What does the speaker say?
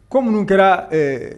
Ko minnu kɛra ɛɛ